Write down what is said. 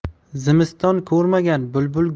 zimiston ko'rmagan bulbul